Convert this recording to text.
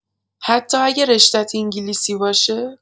حتی اگه رشته‌ت انگلیسی باشه؟